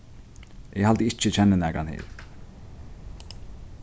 eg haldi ikki eg kenni nakran her